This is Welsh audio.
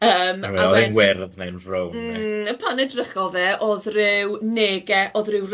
Yym a wedyn... O'dd e'n wyrdd neu'n frown ne'...Yym pan edrychodd e o'dd ryw nege- oedd ryw